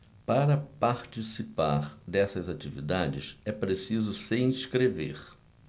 para participar dessas atividades é preciso se inscrever